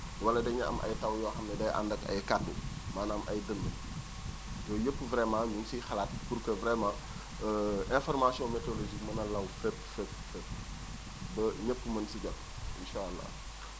wala dañuy am ay taw yoo xam ne day ànd ak ay kaddu maanaam ay dënn yooyu yëpp vraiment ñu ngi siy xalaat pour que vraiment information météorologique gën a law fépp fépp ba ñëpp mën si jot incha allah